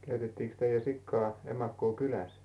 käytettiinkö teidän sikaa emakkoa kylässä